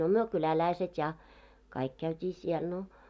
no me kyläläiset ja kaikki käytiin siellä no